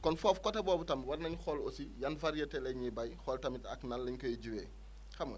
kon foofu côté boobu tam war nañu xool aussi yan variétés la ñuy béy xool tamit ak nan la ñu koy jiwee xam nga